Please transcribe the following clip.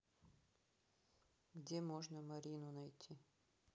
где можно марину найти